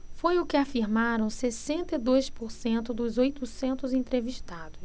foi o que afirmaram sessenta e dois por cento dos oitocentos entrevistados